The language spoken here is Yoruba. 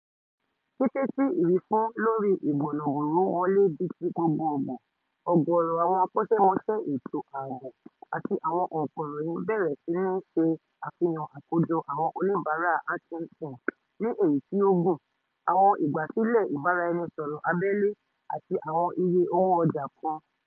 Kété tí ìwífún lórí ìgbọ̀nàbùrú wọlé di ti gbogbogbò, ọ̀gọ̀ọ̀rọ̀ àwọn akọ́ṣẹ́mọṣẹ́ ètò ààbò àti àwọn ọ̀ǹkọ̀ròyìn bẹ̀rẹ̀ sí ní ṣe àfihàn àkójọ àwọn oníbàárà Hacking Team ní èyí tí ó gùn, àwọn ìgbàsílẹ̀ ìbáraẹnisọ̀rọ̀ abẹ́lé, àti àwọn iye owó ọjà kan.